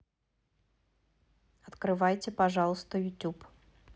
открывайте пожалуйста ютуб